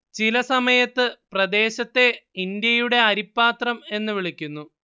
ചിലസമയത്ത് പ്രദേശത്തെ ഇന്ത്യയുടെ അരിപ്പാത്രം എന്നു വിളിക്കുന്നു